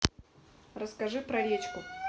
расскажи про речку